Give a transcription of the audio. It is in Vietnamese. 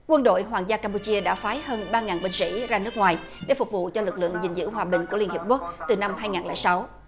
quân đội hoàng gia cam pu chia đã phái hơn ba ngàn binh sĩ ra nước ngoài để phục vụ cho lực lượng gìn giữ hòa bình của liên hiệp quốc từ năm hai ngàn lẻ sáu